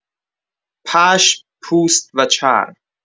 پشم، پوست و چرم